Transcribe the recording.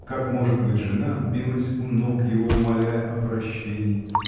как, может быть, жена билась у ног его, умоляя о прощении.